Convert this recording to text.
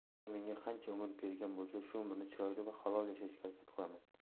xudo menga qancha umr bergan bo'lsa shu umrni chiroyli va halol yashashga harakat qilaman